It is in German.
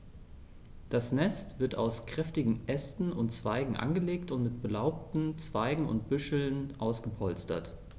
Das Nest wird aus kräftigen Ästen und Zweigen angelegt und mit belaubten Zweigen und Büscheln ausgepolstert.